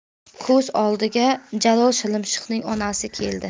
ko'z oldiga jalolshilimshiqning onasi keldi